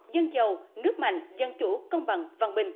dân giàu nước mạnh dân chủ công bằng văn minh